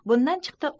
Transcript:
bundan chiqdi